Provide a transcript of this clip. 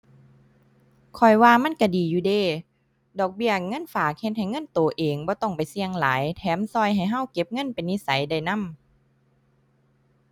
ข้อยว่ามันก็ดีอยู่เดะ ดอกเบี้ยเงินฝากเฮ็ดให้เงินโตเอง บ่ต้องไปเสี่ยงหลายแถมก็ให้ก็เก็บเงินเป็นนิสัยได้นำ